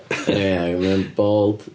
bald?